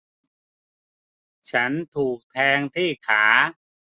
ฉันถูกแทงที่ขา